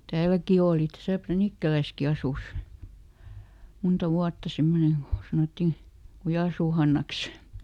täälläkin oli tässä Pränikkälässäkin asui monta vuotta semmoinen kun sanottiin Kujansuun Hannaksi